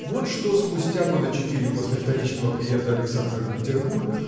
Вот что спустя года четыре после вторичного приезда Александра в Петербург